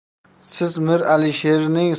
siz mir alisherning